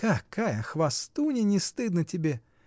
— Какая хвастунья — не стыдно тебе!